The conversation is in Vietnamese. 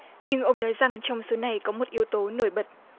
nhưng ông nói rằng trong số này có một yếu tố nổi bật